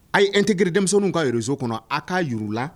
A' ye intégrer denmisɛnninw ka réseau kɔnɔ a k'a yir'u la